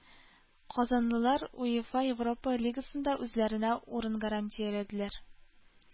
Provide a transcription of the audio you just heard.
Казанлылар УЕФА Европа Лигасында үзләренә урын гарантияләделәр.